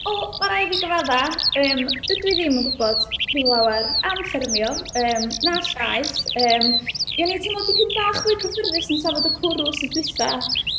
Wel, ma' raid i fi gyfaddau. Yym, dydw i ddim yn gwybod ryw lawer am ffermio, yym na llaeth. Yym ia, o'n i teimlo dipyn bach fwy cyfforddus yn trafod y cwrw wythnos dwytha.